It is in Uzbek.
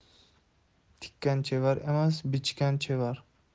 tikkan chevar emas bichgan chevar